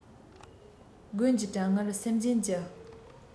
དགུན གྱི གྲང ངར སེམས ཅན གྱི